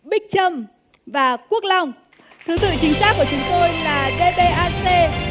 bích trâm và quốc long thứ tự chính xác của chúng tôi là dê bê a sê